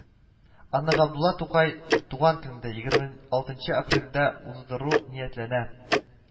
Аны Габдулла Тукай туган көндә егерме алтынчы апрельдә уздыру ниятләнә